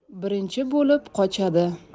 birinchi bo'lib qochadi